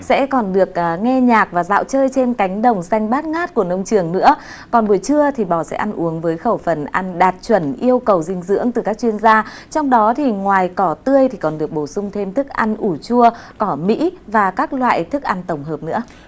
sẽ còn được à nghe nhạc và dạo chơi trên cánh đồng xanh bát ngát của nông trường nữa còn buổi trưa thì bò sẽ ăn uống với khẩu phần ăn đạt chuẩn yêu cầu dinh dưỡng từ các chuyên gia trong đó thì ngoài cỏ tươi thì còn được bổ sung thêm thức ăn ủ chua cỏ mỹ và các loại thức ăn tổng hợp nữa